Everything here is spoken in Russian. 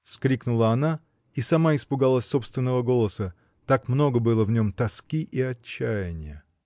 — вскрикнула она — и сама испугалась собственного голоса: так много было в нем тоски и отчаяния.